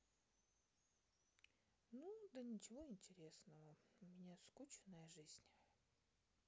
ну да ничего интересного у меня скучная жизнь